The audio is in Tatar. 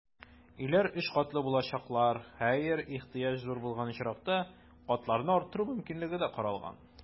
Өйләр өч катлы булачаклар, хәер, ихтыяҗ зур булган очракта, катларны арттыру мөмкинлеге дә каралган.